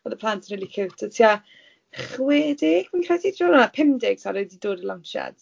Oedd y plant yn rili ciwt. Oedd tua chwe deg fi'n credu ... na, pump deg sori, 'di dod i'r lawnsiad.